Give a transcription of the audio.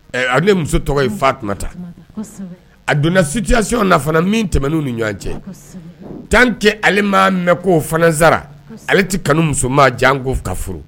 Muso tɔgɔ ye fatuma ta a donna sidiyasiɔn nafa fana min tɛmɛn'u ni ɲɔgɔn cɛ tan tɛ hali maa mɛn ko o fanasara ale tɛ kanu muso maa jan ko ka furu